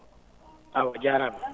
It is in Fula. awa jaaraama